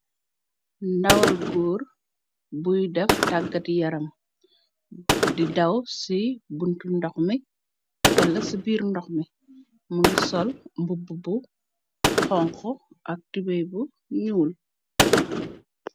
Ndawal gór búy def tagat yaram di daw ci buntu ndox mi wala ci biir ndox mi. Mugii sol mbubu bu xonxu ak tubay bu ñuul .